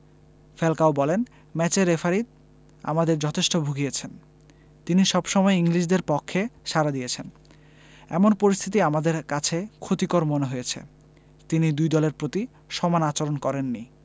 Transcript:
Falcao বলেন ম্যাচে referee আমাদের যথেষ্ট ভুগিয়েছেন তিনি সবসময় ইংলিশদের পক্ষে সাড়া দিয়েছেন এমন পরিস্থিতি আমাদের কাছে ক্ষতিকর মনে হয়েছে তিনি দুই দলের প্রতি সমান আচরণ করেননি